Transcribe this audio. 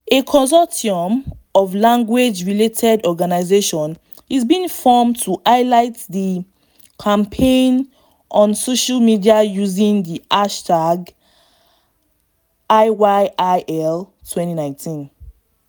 A consortium of language-related organizations is being formed to highlight the campaign on social media using the hashtag #IYIL2019.